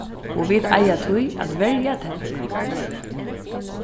og vit eiga tí at verja ternurnar